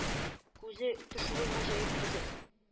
Күзе төшүе гаҗәеп түгел